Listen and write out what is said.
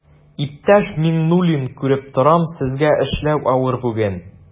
Иптәш Миңнуллин, күреп торам, сезгә эшләү авыр бүген.